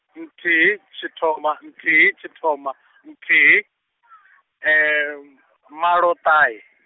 nthihi tshithoma nthihi tshithoma nthihi, malo ṱahe.